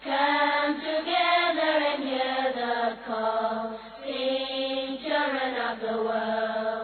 San j ja labankɔrɔ tile cɛ laban wa